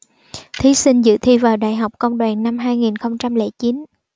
thí sinh dự thi vào đại học công đoàn năm hai nghìn không trăm lẻ chín